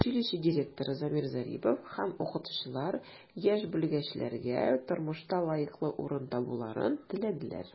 Училище директоры Замир Зарипов һәм укытучылар яшь белгечләргә тормышта лаеклы урын табуларын теләделәр.